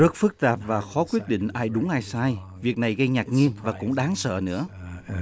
rất phức tạp và khó quyết định ai đúng ai sai việc này gây ngạc nhiên và cũng đáng sợ nữa